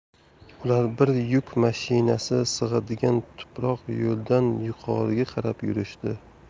ular bir yuk mashinasi sig'adigan tuproq yo'ldan yuqoriga qarab yurishdi